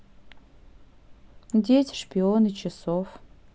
дети шпионы часов